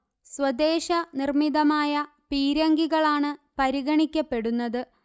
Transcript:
സ്വദേശ നിർമിതമായ പീരങ്കികളാണ് പരിഗണിക്കപ്പെടുന്നത്